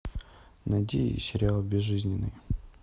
найди сериал безжизненные